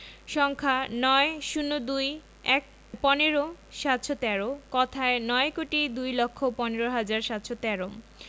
সংখ্যাঃ ৯ ০২ ১৫ ৭১৩ কথায়ঃ নয় কোটি দুই লক্ষ পনেরো হাজার সাতশো তেরো